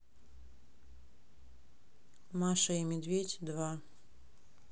маша и медведь два